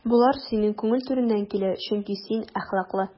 Болар синең күңел түреннән килә, чөнки син әхлаклы.